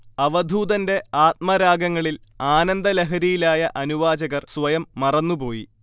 അവധൂതന്റെ ആത്മരാഗങ്ങളിൽ ആനന്ദലഹരിയിലായ അനുവാചകർ സ്വയം മറന്നുപോയി